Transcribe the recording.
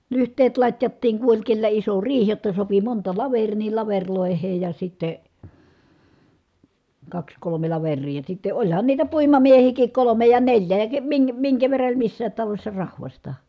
lyhteet latjattiin kun oli kenellä iso riihi jotta sopi monta laveria niin lavereille ja sitten kaksi kolme laveria ja sitten olihan niitä puimamiehiäkin kolme ja neljä ja - minkä minkä verran oli missäkin talossa rahvasta